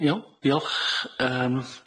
Iawn diolch yym.